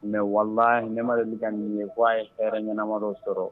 Mɛ wala ne mali ka nin ye'a ye hɛrɛ ɲɛnaanamadɔ sɔrɔ